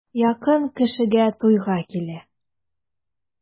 Якын кешегә туйга килә.